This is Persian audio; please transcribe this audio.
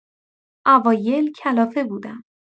اوایل کلافه بودم.